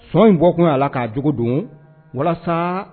Fanga in bɔkun ya la ka cogo don walasa